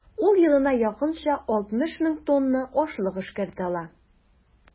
Ул елына якынча 60 мең тонна ашлык эшкәртә ала.